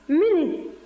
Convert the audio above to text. minni